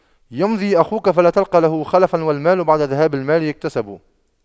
يمضي أخوك فلا تلقى له خلفا والمال بعد ذهاب المال يكتسب